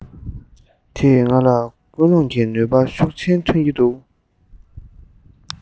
དེས ང ལ སྐུལ སློང གི ནུས པ ཤུགས ཆེན ཐོན གྱི འདུག